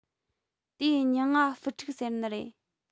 དེའི མྱིང ང ཧྥུའུ ཁྲུག ཟེར ནི རེད